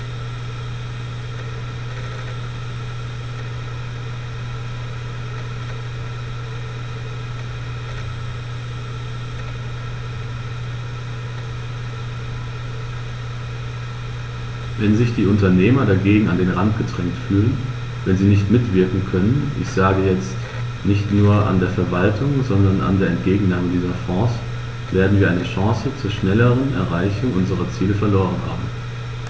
Wenn sich die Unternehmer dagegen an den Rand gedrängt fühlen, wenn sie nicht mitwirken können ich sage jetzt, nicht nur an der Verwaltung, sondern an der Entgegennahme dieser Fonds , werden wir eine Chance zur schnelleren Erreichung unserer Ziele verloren haben.